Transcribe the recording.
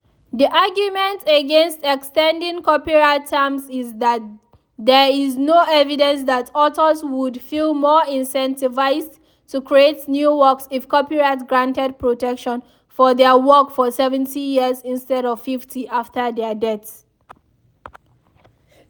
The argument against extending copyright terms is that there is no evidence that authors would feel more incentivised to create new works if copyright granted protection for their work for 70 years instead of 50 after their death.